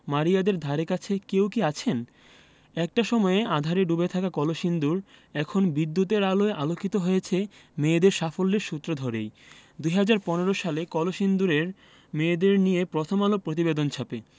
মারিয়াদের ধারেকাছে কেউ কি আছেন একটা সময়ে আঁধারে ডুবে থাকা কলসিন্দুর এখন বিদ্যুতের আলোয় আলোকিত হয়েছে মেয়েদের সাফল্যের সূত্র ধরেই ২০১৫ সালে কলসিন্দুরের মেয়েদের নিয়ে প্রথম আলো প্রতিবেদন ছাপে